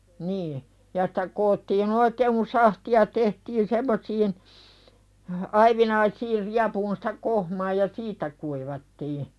niin ja sitä koottiin oikein kun sahtia tehtiin semmoisiin aivinaisiin riepuun sitä kohmaa ja siitä kuivattiin